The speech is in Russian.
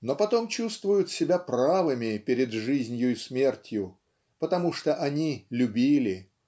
но потом чувствуют себя правыми перед жизнью и смертью потому что они любили